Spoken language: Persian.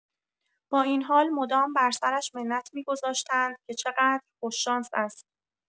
با این حال مدام بر سرش منت می‌گذاشتند که چقدر خوش‌شانس است.